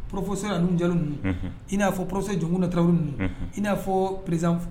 Porosɛ ninnu jaun in n'a fɔ psɔjunkun nataun in n'a fɔ perez